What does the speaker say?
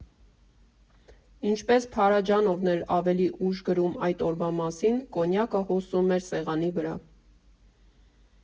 Ինչպես Փարաջանովն էր ավելի ուշ գրում այդ օրվա մասին՝ կոնյակը հոսում էր սեղանի վրա։